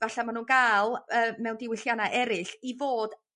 falle ma' nw'n ga'l yy mewn diwyllianna eryll i fod